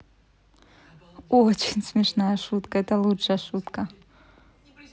очень смешная шутка это лучшая шутка